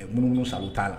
Ɛ munumunu saalo u t'a la